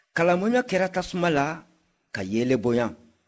kalamɔɲɔ kɛra tasuma la ka yeelen bonya